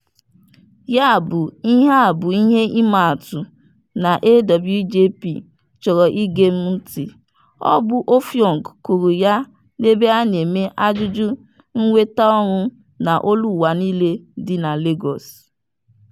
Ya bụ, ihe a bụ ihe ịmaatụ na AWJP chọrọ ige m ntị', Ọ bụ Offiong kwuru ya n'ebe a na-eme ajụjụ mnweta orụ na Global Voice dị na Lagos.